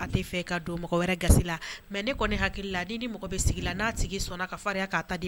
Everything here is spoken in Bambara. Hakili